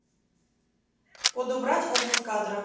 подобрать обувь кадра